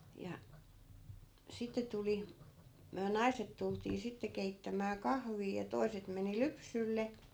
ja sitten tuli me naiset tultiin sitten keittämään kahvia ja toiset meni lypsylle